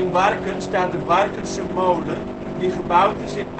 Warken staat de Warkense Molen, die gebouwd is in